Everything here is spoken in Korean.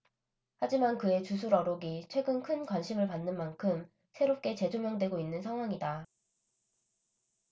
하지만 그의 주술 어록이 최근 큰 관심을 받는 만큼 새롭게 재조명되고 있는 상황이다